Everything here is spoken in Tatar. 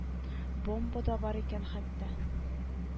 Бомба да бар икән хәтта